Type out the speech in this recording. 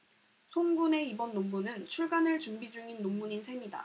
송 군의 이번 논문은 출간을 준비 중인 논문인 셈이다